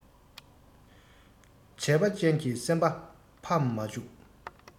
བྱས པ ཅན གྱི སེམས པ ཕམ མ འཇུག